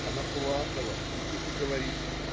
Она плакала, и тихо говорит: ".